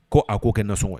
Ko a k'o kɛ nasɔn wa